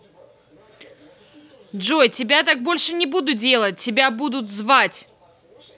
джой тебя так больше не буду делать тебя будут звать